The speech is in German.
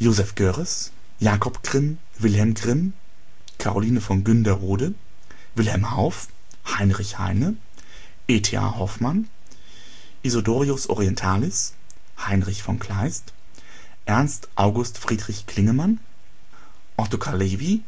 Joseph Görres, Jakob Grimm, Wilhelm Grimm, Karoline von Günderrode, Wilhelm Hauff, Heinrich Heine, E. T. A. Hoffmann, Isidorus Orientalis, Heinrich von Kleist, Ernst August Friedrich Klingemann, Otakar Levý